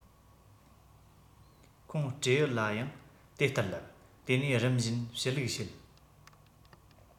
ཁོང སྤྲེའུ ལ ཡང དེ ལྟར ལབ དེ ནས རིམ བཞིན ཞུ ལུགས བྱེད